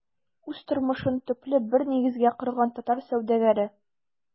Үз тормышын төпле бер нигезгә корган татар сәүдәгәре.